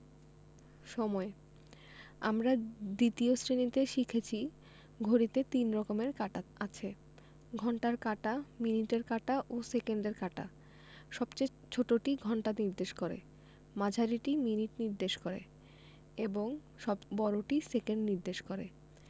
সময়ঃ আমরা ২য় শ্রেণিতে শিখেছি ঘড়িতে ৩ রকমের কাঁটা আছে ঘণ্টার কাঁটা মিনিটের কাঁটা ও সেকেন্ডের কাঁটা সবচেয়ে ছোটটি ঘন্টা নির্দেশ করে মাঝারিটি মিনিট নির্দেশ করে এবং সবচেয়ে বড়টি সেকেন্ড নির্দেশ করে